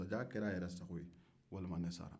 masajan kɛra a yɛre sago ye walima ne sara